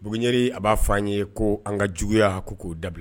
Bɛri a b'a fɔ' an ye ko an ka juguyaya hakɛ k'o dabila